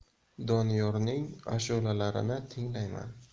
doniyorning ashulalarini tinglayman